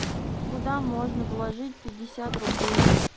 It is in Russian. куда можно вложить пятьдесят рублей